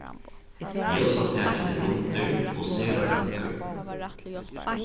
ljósastakin er rundur og sera tungur